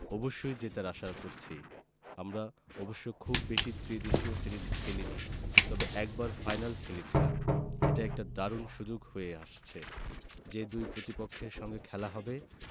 অবশ্যই জেতার আশা করছি আমরা অবশ্য খুব বেশি ত্রিদেশীয় সিরিজ খেলেনি তবে একবার ফাইনাল খেলেছিলাম এটা একটা দারুণ সুযোগ হয়ে আসছে যে দুই প্রতিপক্ষের সঙ্গে খেলা হবে